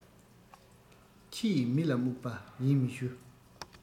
ཁྱི ཡིས མི ལ རྨྱུག པ ཡིན མི ཞུ